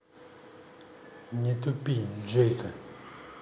не тупи джейка